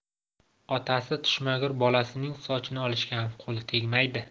otasi tushmagur bolasining sochini olishga ham qo'li tegmaydi